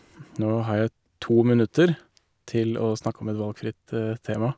Nå har jeg to minutter til å snakke om et valgfritt tema.